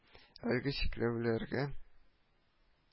Әлеге чикләүләргә